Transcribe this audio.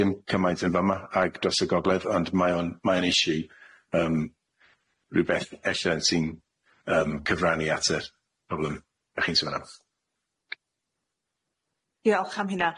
dim cymaint yn fama ag dros y gogledd ond mae o'n mae o'n issue yym rywbeth ella sy'n yym cyfrannu at yr problem da chi'n son am. Diolch am hunna.